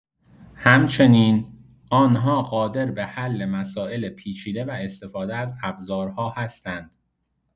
همچنین، آنها قادر به حل مسائل پیچیده و استفاده از ابزارها هستند.